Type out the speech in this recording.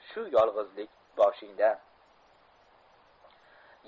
shu yolgizlik boshingda